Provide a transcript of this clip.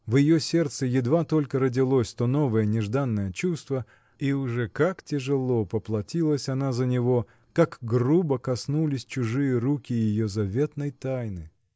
В ее сердце едва только родилось то новое, нежданное чувство, я уже как тяжело поплатилась она за него, как грубо коснулись чужие руки ее заветной тайны!